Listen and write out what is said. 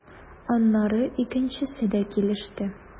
Аннары икенчесе дә килеште.